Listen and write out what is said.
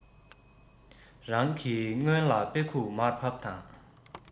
རང གི སྔོན ལ དཔེ ཁུག མར ཕབ དང